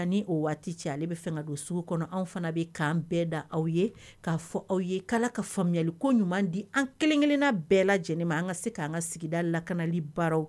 O waati cɛ ale bɛ fanga don sugu kɔnɔ anw fana bɛ k'an bɛɛ da aw ye k'a fɔ aw ye ala ka faamuyayali ko ɲuman di an kelen-kelenna bɛɛ la lajɛlen ma an ka se k'an ka sigida lakanali baaraw